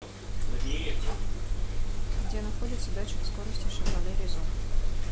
где находится датчик скорости шевроле резо